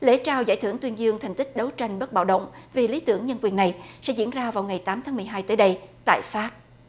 lễ trao giải thưởng tuyên dương thành tích đấu tranh bất bạo động vì lý tưởng nhân quyền này sẽ diễn ra vào ngày tám tháng mười hai tới đây tại pháp